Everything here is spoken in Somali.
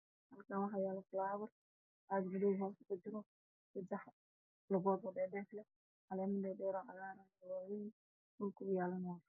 Waa miis waxaa ii muuqda ubax cagaaran oo caleemo dhaadheer iyo darbi cadaan ah